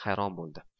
hayron bo'ldi